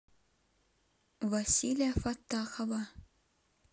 василя фаттахова